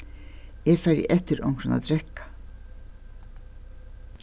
eg fari eftir onkrum at drekka